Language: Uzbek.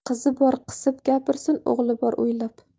qizi bor qisib gapirsin o'g'li bor o'ylab